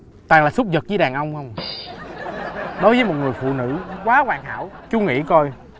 toàn là súc vật với đàn ông không đối với một người phụ nữ quá hoàn hảo chú nghĩ coi